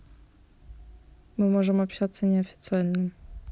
мы можем общаться неофициально